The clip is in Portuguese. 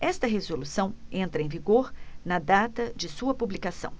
esta resolução entra em vigor na data de sua publicação